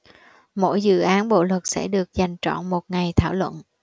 mỗi dự án bộ luật sẽ được dành trọn một ngày thảo luận